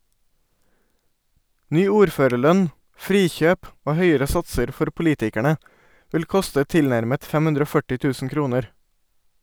Ny ordførerlønn, frikjøp og høyere satser for politikerne, vil koste tilnærmet 540 000 kroner.